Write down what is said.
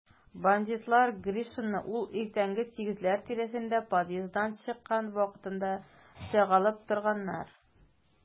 Бандитлар Гришинны ул иртәнге сигезләр тирәсендә подъезддан чыккан вакытында сагалап торганнар.